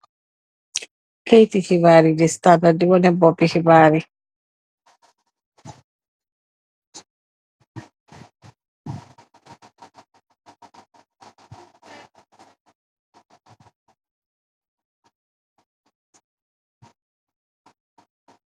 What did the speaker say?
Kayiti xibaar yi di Standard, di waneh bopi xibaar yi.